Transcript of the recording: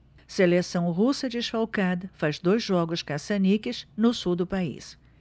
seleção russa desfalcada faz dois jogos caça-níqueis no sul do país